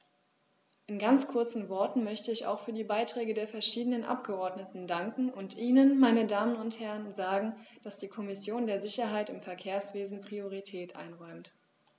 In ganz kurzen Worten möchte ich auch für die Beiträge der verschiedenen Abgeordneten danken und Ihnen, meine Damen und Herren, sagen, dass die Kommission der Sicherheit im Verkehrswesen Priorität einräumt.